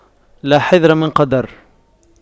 لا حذر من قدر